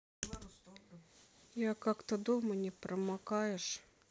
я как то дома не промокаешь